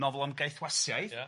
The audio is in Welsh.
Nofel am gaethwasiaeth... Ia...